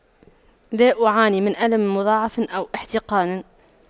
لا أعاني من ألم مضاعف أو احتقان